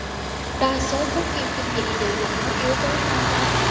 đa số các phim kinh dị đều dùng các yếu tố ma quái